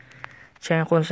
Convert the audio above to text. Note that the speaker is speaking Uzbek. chang qo'nsa